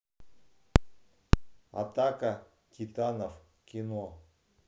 атака титанов кино